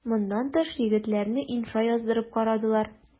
Моннан тыш егетләрне инша яздырып карадылар.